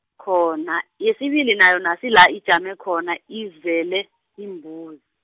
khona , yesibili nayo nasi la ijame khona izele, iimbuzi.